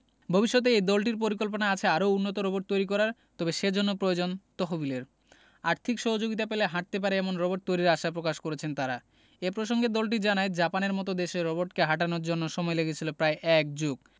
ভবিষ্যতে এই দলটির পরিকল্পনা আছে আরও উন্নত রোবট তৈরি করার তবে সেজন্য প্রয়োজন তহবিলের আর্থিক সহযোগিতা পেলে হাটতে পারে এমন রোবট তৈরির আশা প্রকাশ করেছেন তারা এ প্রসঙ্গে দলটি জানায় জাপানের মতো দেশে রোবটকে হাঁটানোর জন্য সময় লেগেছিল প্রায় এক যুগ